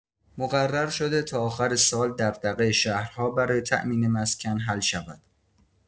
مقرر شده تا آخر سال دغدغه شهرها برای تامین مسکن حل شود.